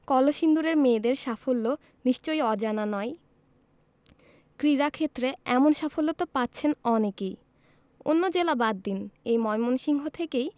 কলসিন্দুরের মেয়েদের সাফল্য নিশ্চয়ই অজানা নয় ক্রীড়াক্ষেত্রে এমন সাফল্য তো পাচ্ছেন অনেকেই অন্য জেলা বাদ দিন এ ময়মনসিংহ থেকেই